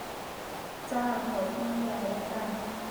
จ้า ขอบคุณหลายหลาย เด้อจ้า